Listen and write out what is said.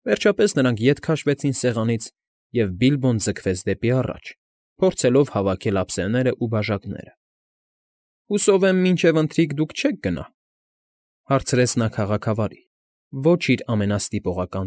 Վերջապես նրանք ետ քաշվեցին սեղանից, և Բիլբոն ձգվեց դեպի առաջ՝ փորձելով հավաքել ափսեներն ու բաժակները։ ֊ Հուսով եմ մինչև ընթրիք դուք չե՞ք գնա, ֊ հարցրեց նա քաղաքավարի, ոչ իր ամենաստիպողական։